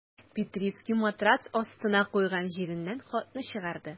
Петрицкий матрац астына куйган җирәннән хатны чыгарды.